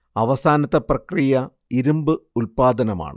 അവസാനത്തെ പ്രക്രിയ ഇരുമ്പ് ഉല്പാദനമാണ്